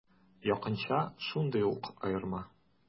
Якынча шундый ук аерма.